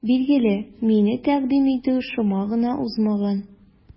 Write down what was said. Билгеле, мине тәкъдим итү шома гына узмаган.